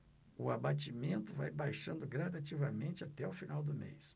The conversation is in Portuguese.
o abatimento vai baixando gradativamente até o final do mês